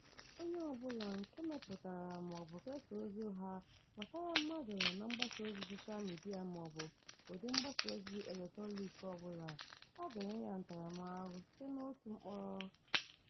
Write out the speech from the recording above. Onye ọ bụla nke mepụtara maọbụ kesaa ozi ụgha gbasara mmadụ na mgbasaozi soshal midịa maọbụ ụdị mgbasaozi eletrọniik ọbụla a ga-enye ya ntaramahụhụ site n'ịtụ mkpọrọ otu (01) ruo ọnwa isii (06), nha FCFA 500,000 (USD 803) na FCFA 1,000,000 (USD 1,606), maọbụ ha abụọ.